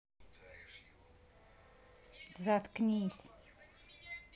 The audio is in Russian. заткнись